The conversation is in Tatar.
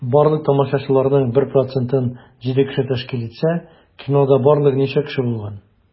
Барлык тамашачыларның 1 процентын 7 кеше тәшкил итсә, кинода барлыгы ничә кеше булган?